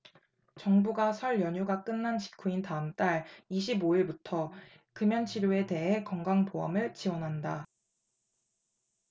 정부가 설 연휴가 끝난 직후인 다음 달 이십 오 일부터 금연치료에 대해 건강보험을 지원한다